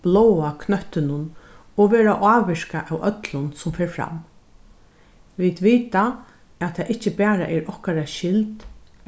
bláa knøttinum og verða ávirkað av øllum sum fer fram vit vita at tað ikki bara er okkara skyld